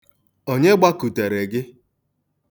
Onye gbakutere gị?